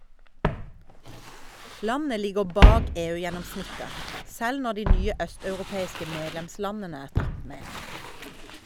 Landet ligger bak EU-gjennomsnittet , selv når de nye østeuropeiske medlemslandene er tatt med.